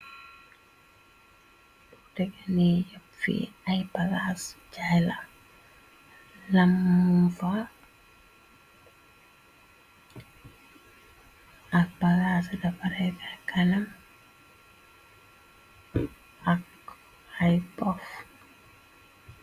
Tegani yepp fi ay pagas jayla, lamfa, ak pagas dafarefa kanam, akko ipof.